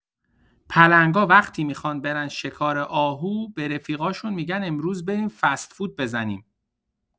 پلنگا وقتی میخوان برن شکار آهو به رفیقاشون می‌گن امروز بریم فست‌فود بزنیم!